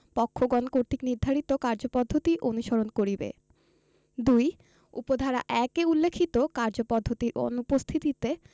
পক্ষগণ কর্তৃক নির্ধারিত কার্যপদ্ধতি অনুসরণ করিবে ২ উপ ধারা ১ এ উল্লেখিত কার্যপদ্ধতির অনুপস্থিতিতে